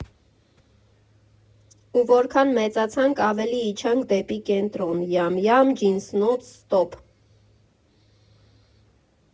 Ու որքան մեծացանք, ավելի իջանք դեպի կենտրոն՝ «Յամ֊Յամ», «Ջինսնոց», «Ստոպ»։